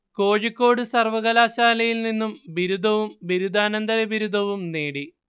കോഴിക്കോട് സർവകലാശായിൽ നിന്ന് ബിരുദവും ബിരുദാനന്തര ബിരുദവും നേടി